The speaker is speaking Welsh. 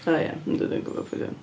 O ia, ydw dwi'n gwbod pwy 'di o.